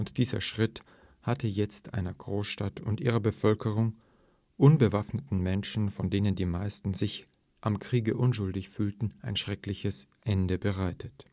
dieser Schritt hatte jetzt einer Großstadt und ihrer Bevölkerung, unbewaffneten Menschen, von denen die meisten sich am Kriege unschuldig fühlten, ein schreckliches Ende bereitet